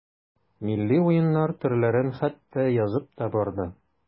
Милли уеннар төрләрен хәтта язып та барды.